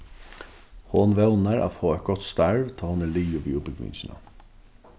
hon vónar at fáa eitt gott starv tá hon er liðug við útbúgvingina